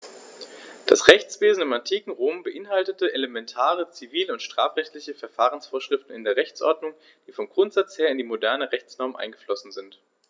Das Rechtswesen im antiken Rom beinhaltete elementare zivil- und strafrechtliche Verfahrensvorschriften in der Rechtsordnung, die vom Grundsatz her in die modernen Rechtsnormen eingeflossen sind.